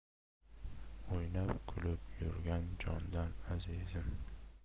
o'ynab kulib yurgan jondan azizim